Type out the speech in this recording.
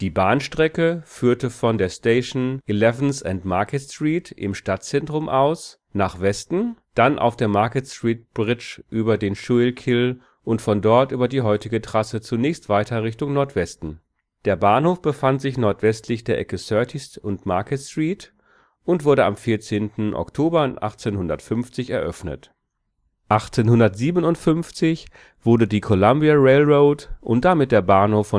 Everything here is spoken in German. Bahnstrecke führte von der Station 11th & Market Street im Stadtzentrum aus nach Westen, dann auf der Market Street Bridge über den Schuylkill und von dort über die heutige Trasse zunächst weiter Richtung Nordwesten. Der Bahnhof befand sich nordwestlich der Ecke 30th und Market Street und wurde am 14. Oktober 1850 eröffnet. 1857 wurden die Columbia Railroad und damit der Bahnhof